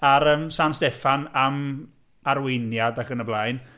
A'r yym San Steffan am arweiniad ac yn y blaen.